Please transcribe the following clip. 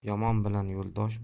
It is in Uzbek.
yomon bilan yo'ldosh